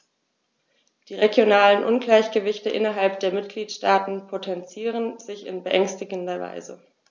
Die regionalen Ungleichgewichte innerhalb der Mitgliedstaaten potenzieren sich in beängstigender Weise.